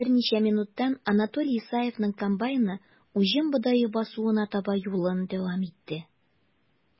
Берничә минуттан Анатолий Исаевның комбайны уҗым бодае басуына таба юлын дәвам итте.